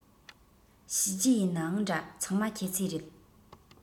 བྱས རྗེས ཡིན ནའང འདྲ ཚང མ ཁྱེད ཚོའི རེད